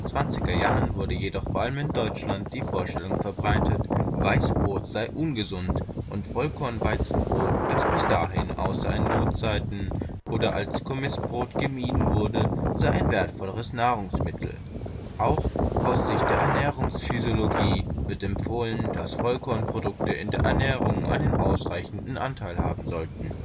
1920er Jahren wurde jedoch – vor allem in Deutschland – die Vorstellung verbreitet, Weißbrot sei ungesund und Vollkornweizenbrot, das bis dahin, außer in Notzeiten oder als Kommissbrot, gemieden wurde, sei ein wertvolleres Nahrungsmittel. Auch aus Sicht der Ernährungsphysiologie wird empfohlen, dass Vollkornprodukte in der Ernährung einen ausreichenden Anteil haben sollten